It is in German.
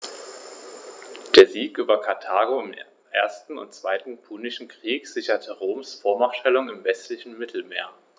Der Sieg über Karthago im 1. und 2. Punischen Krieg sicherte Roms Vormachtstellung im westlichen Mittelmeer.